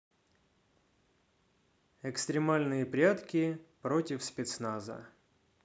экстремальные прятки против спецназа